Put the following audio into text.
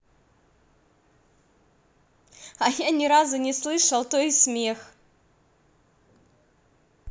а я ни разу не слышал то и смех